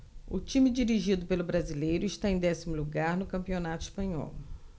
o time dirigido pelo brasileiro está em décimo lugar no campeonato espanhol